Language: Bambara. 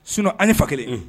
Sunɔ an ɲe fakelen